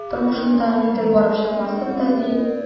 Тормышында нидер барып чыкмасын да, ди...